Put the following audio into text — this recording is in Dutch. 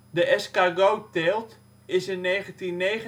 De escargotsteelt is in 1999